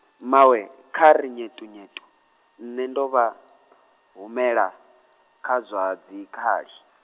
mmawe, kha ri nyeṱunyeṱu, nṋe ndo vha, humbela, kha zwa dzikhali.